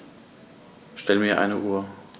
Stell mir eine Uhr.